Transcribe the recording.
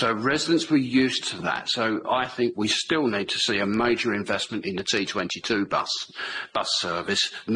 So residents were used to that so I think we still need to see a major investment in the T twenty two bus bus service.